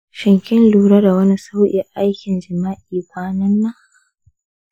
shin kin lura da wani sauyi a aikin jima’i kwanan nan?